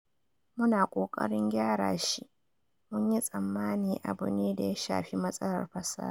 Mu na ƙoƙarin gyara shi, mun yi tsammani abu ne da ya shafi matsalar fasaha.